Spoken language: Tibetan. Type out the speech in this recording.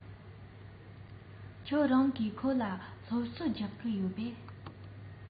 ཁྱེད རང གིས ཁོ ལ སློབ གསོ རྒྱག གི ཡོད པས